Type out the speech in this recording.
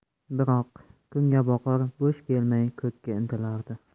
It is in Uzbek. biroq kungaboqar bo'sh kelmay ko'kka intilardi